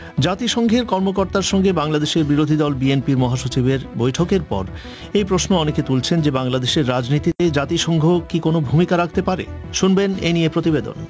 জাতিসংঘের কর্মকর্তার সঙ্গে বাংলাদেশের বিরোধী দল বিএনপির মহাসচিবদের বৈঠকের পর এই প্রশ্ন অনেকেই তুলছেন যে বাংলাদেশের রাজনীতিকে জাতিসংঘ কি কোন ভূমিকা রাখতে পারে শুনবেন এ নিয়ে প্রতিবেদন